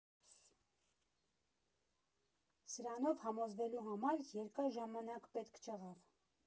Սրանում համոզվելու համար երկար ժամանակ պետք չեղավ.